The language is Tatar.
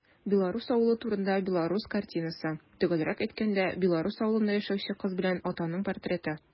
Белорус авылы турында белорус картинасы - төгәлрәк әйткәндә, белорус авылында яшәүче кыз белән атаның портреты.